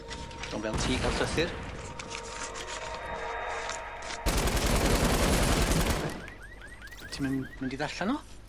'Dio'm fel ti ga'l llythyr. Ti'm yn mynd i ddarllen o?